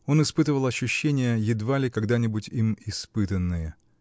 Он испытывал ощущения, едва ли когда-нибудь им. испытанные.